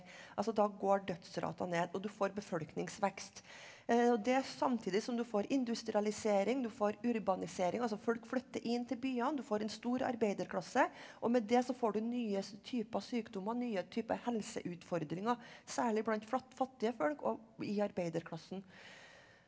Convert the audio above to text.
altså da går dødsratene ned og du får befolkningsvekst og det samtidig som du får industrialisering, du får urbanisering, altså folk flytter inn til byene, du får en stor arbeiderklasse og med det så får du nye typer sykdommer, nye typer helseutfordringer, særlig blant fattige folk og i arbeiderklassen.